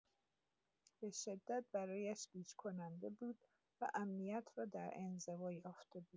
به‌شدت برایش گیج‌کننده بود و امنیت را در انزوا یافته بود.